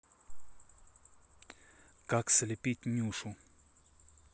как слепить нюшу